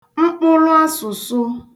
mkpụlụasụ̀sụ